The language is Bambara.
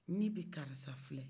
ne bɛ karisa filɛ